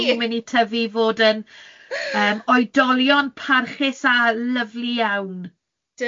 bo' nhw'n mynd i tyfu i fod yn yym oedolion parchus a lyfli iawn.